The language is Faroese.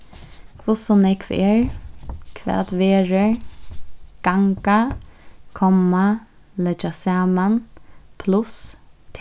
hvussu nógv er hvat verður ganga komma leggja saman pluss